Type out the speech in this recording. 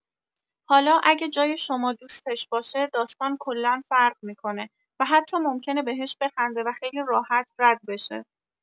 حالا اگه جای شما دوستش باشه، داستان کلا فرق می‌کنه و حتی ممکنه بهش بخنده و خیلی راحت رد بشه.